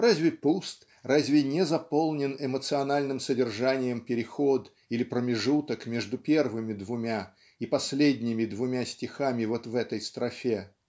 разве пуст, разве не заполнен эмоциональным содержанием переход или промежуток между первыми двумя и последними двумя стихами вот в этой строфе